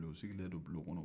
mɛ u sigilen do bulon kɔnɔ